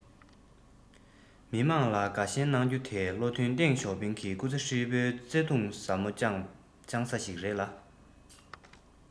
མི དམངས ལ དགའ ཞེན གནང རྒྱུ དེ བློ མཐུན ཏེང ཞའོ ཕིང སྐུ ཚེ ཧྲིལ པོའི བརྩེ དུང ཟབ མོ བཅངས ས ཞིག རེད ལ